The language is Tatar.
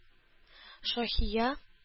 Шаһия